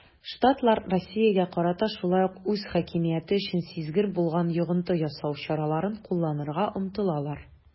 Штатлар Россиягә карата шулай ук үз хакимияте өчен сизгер булган йогынты ясау чараларын кулланырга омтылалар.